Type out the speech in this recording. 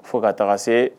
Fo ka taa se